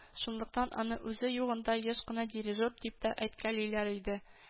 Шунлыктан аны үзе югында еш кына дирижер дип тә әйткәлиләр иде